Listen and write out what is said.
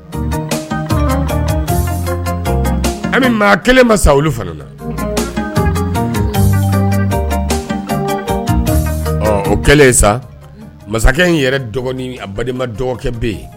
An bɛ maa kelen ma sa olu o kɛlen sa masakɛ in yɛrɛ dɔgɔnin balima dɔgɔkɛ bɛ yen